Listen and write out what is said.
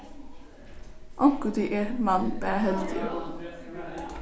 onkuntíð er mann bara heldigur